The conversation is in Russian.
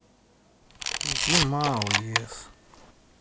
зима оес